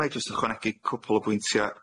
Wnai jyst ychwanegu cwpwl o bwyntia.